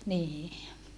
niin